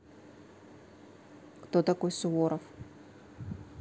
кто такой суворов